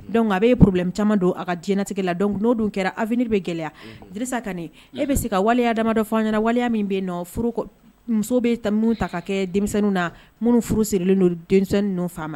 Donc a bɛ problème caman don a ka diɲɛtigɛ la donc n'o dun kɛra avenir bɛ gɛlɛya Dirisa Kane e bɛ se ka waleya damadɔ fɔ an ɲɛna waleya min bɛ ye nɔ furu muso bɛ minnu ta ka kɛ denmisɛnnin na minnu furu sirilen do denmisɛnnin ninnu ma.